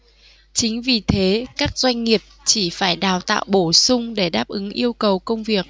chính vì thế các doanh nghiệp chỉ phải đào tạo bổ sung để đáp ứng yêu cầu công việc